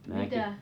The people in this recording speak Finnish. minäkin